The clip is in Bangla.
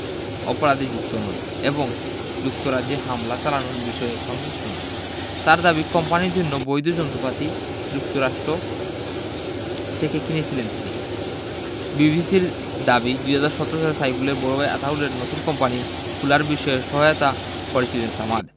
অপরাধে যুক্ত নন এবং যুক্তরাষ্ট্রে হামলা চালানোর বিষয়ে সংশ্লিষ্ট নন তাঁর দাবি কোম্পানির জন্য বৈধ যন্ত্রপাতি যুক্তরাষ্ট্র থেকে কিনেছিলেন তিনি বিবিসির দাবি ২০১৭ সালে সাইফুলের বড় ভাই আতাউলের নতুন কোম্পানি খোলার বিষয়ে সহায়তা করেছিলেন সামাদ